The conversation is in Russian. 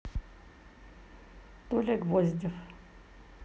толя гвоздев